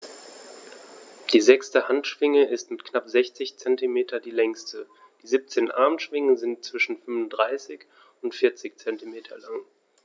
Die sechste Handschwinge ist mit knapp 60 cm die längste. Die 17 Armschwingen sind zwischen 35 und 40 cm lang.